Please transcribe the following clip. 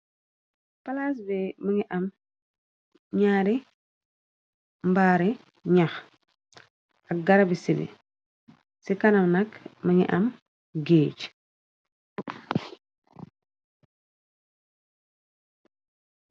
Palaasbe ma ngi am ñaare mbaare ñax ak garabi sili ci kanam nakk ma ngi am géej